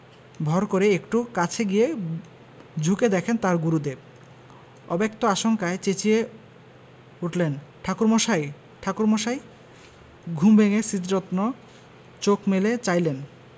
ভর করে একটু কাছে গিয়ে ঝুঁকে দেখেন তাঁর গুরুদেব অব্যক্ত আশঙ্কায় চেঁচিয়ে উঠলেন ঠাকুরমশাই ঠাকুরমশাই ঘুম ভেঙ্গে স্মৃতিরত্ন চোখ মেলে চাইলেন